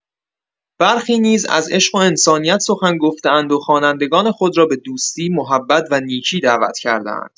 برخی نیز از عشق و انسانیت سخن گفته‌اند و خوانندگان خود را به دوستی، محبت و نیکی دعوت کرده‌اند.